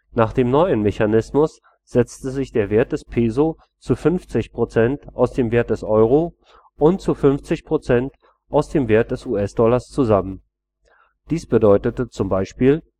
Nach dem neuen Mechanismus setzte sich der Wert des Peso zu 50% aus dem Wert des Euro und zu 50% aus dem Wert des US-Dollars zusammen. Dies bedeutete zum Beispiel